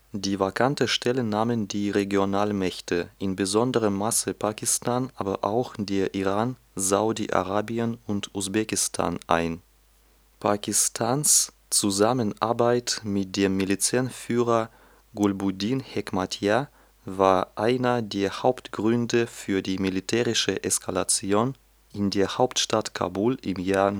Die vakante Stelle nahmen die Regionalmächte, in besonderem Maße Pakistan aber auch der Iran, Saudi-Arabien und Usbekistan, ein. Pakistans Zusammenarbeit mit dem Milizenführer Gulbuddin Hekmatyar war einer der Hauptgründe für die militärische Eskalation in der Hauptstadt Kabul im Jahr